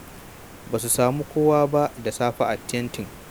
Ba su sami kowa ba da safe a tentin.